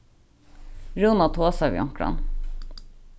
rúna tosar við onkran